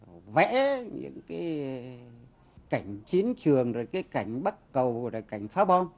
vẽ những kí cảnh chiến trường rồi cái cảnh bắc cầu rồi cảnh phá bom